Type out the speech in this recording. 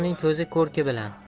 yo'qning qizi ko'rki bilan